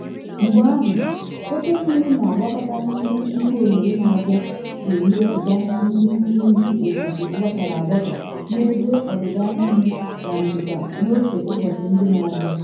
Mgbe ahụ, oke mmiri na agwakọta n’ime nnukwu oghere na abịa ga-emepụta nnukwu mmiri ozizo gbasara agbasa n’ebe Ọdịda anyanwụ na ndịda n’ofe ụbọchị ndị na abịa.